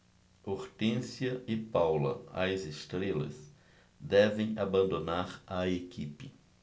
hortência e paula as estrelas devem abandonar a equipe